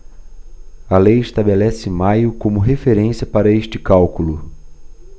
a lei estabelece maio como referência para este cálculo